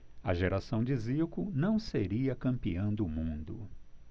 a geração de zico não seria campeã do mundo